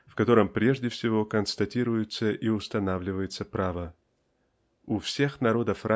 в котором прежде всего констатируется и устанавливается право. У всех народов